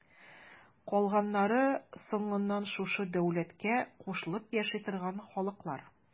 Калганнары соңыннан шушы дәүләткә кушылып яши торган халыклар.